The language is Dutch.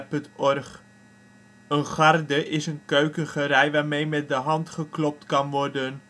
Een garde is keukengerei waarmee met de hand geklopt kan worden